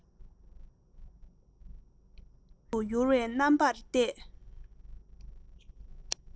གཉིད དུ ཡུར བའི རྣམ པར བལྟས